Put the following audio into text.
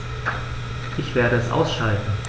Ich werde es ausschalten